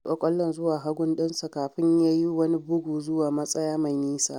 Ya taɓa ƙwallon zuwa hagun ɗinsa kafin ya yi wani bugu zuwa matsaya mai nisa.